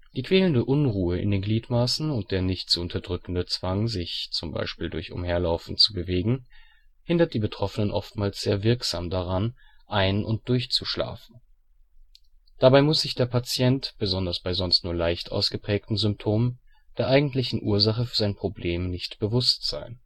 Die quälende Unruhe in den Gliedmaßen und der nicht zu unterdrückende Zwang, sich (z.B. durch Umherlaufen) zu bewegen, hindert die Betroffenen oftmals sehr wirksam daran, ein - und durchzuschlafen. Dabei muss sich der Patient – besonders bei sonst nur leicht ausgeprägten Symptomen – der eigentlichen Ursache für sein Problem nicht bewusst sein